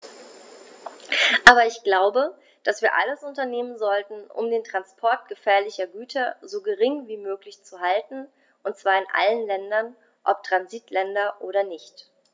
Aber ich glaube, dass wir alles unternehmen sollten, um den Transport gefährlicher Güter so gering wie möglich zu halten, und zwar in allen Ländern, ob Transitländer oder nicht.